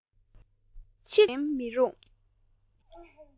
འཆི དགོས པའི གོ བ ལེན མི རུང